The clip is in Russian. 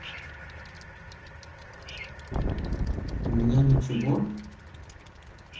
у меня ничего